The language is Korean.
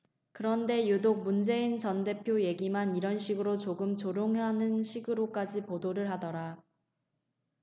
그런데 유독 문재인 전 대표 얘기만 이런 식으로 조금 조롱하는 식으로까지 보도를 하더라